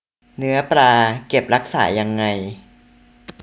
เนื้อปลาเก็บรักษายังไง